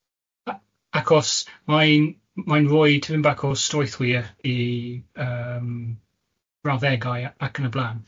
A- achos mae'n mae'n roid dipyn bach o strwythwyr i yym, brawddegau ac yn y blaen.